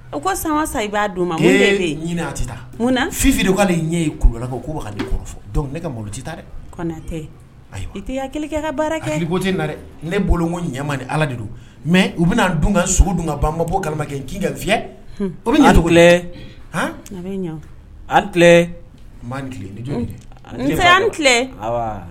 U ko san sa i b'a don ma ɲinin tɛ fi de k'ale ɲɛ ye kulu kulubali ko ko ne ka tɛ tɛ i tɛkɛ ka baara kɛ ne bolo ko ɲɛmaa ni ala de don mɛ u bɛna dun ka sogo dun ka bamakɛ k'i ka fi o bɛ ɲɛdugu an